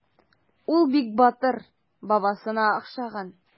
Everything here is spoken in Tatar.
Ул бик батыр, бабасына охшаган.